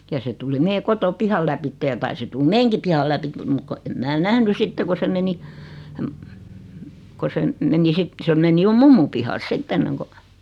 ja se tuli meidän kotipihan läpi ja taisi tulla meidänkin pihan läpi mutta kun en minä nähnyt sitten kun se meni kun se - meni sitten se meni jo mummon pihalle sitten ennen kuin